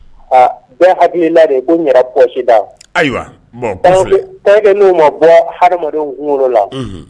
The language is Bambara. Bɛɛdu de kosida ayiwa tange n'u ma bɔra hadenw wolo la